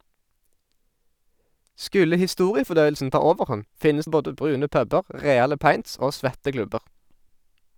Skulle historiefordøyelsen ta overhånd, finnes både brune puber, reale pints og svette klubber.